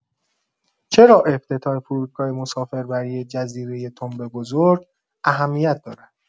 چرا افتتاح فرودگاه مسافربری جزیره تنب بزرگ اهمیت دارد؟